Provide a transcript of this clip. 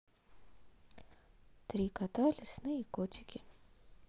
три кота лесные котики